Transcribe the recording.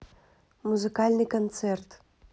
музыкальный концерт